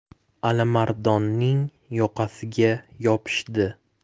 alimardonning yoqasiga yopishdi